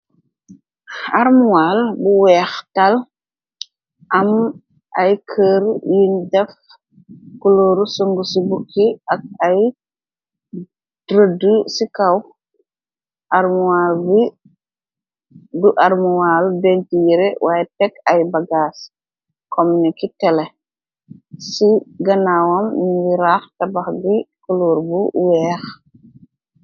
Armuwal bu weex tal am ay kër yuñ def kulóoru sung ci bukki ak ay trëddu ci kaw aml du armuwal bentiire waye tekg ay bagaas komuniki tele ci ganaawam nngi raax tabax gi kulóor bu weex.